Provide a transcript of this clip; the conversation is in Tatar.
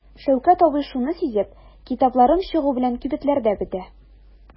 Шәүкәт абый шуны сизеп: "Китапларым чыгу белән кибетләрдә бетә".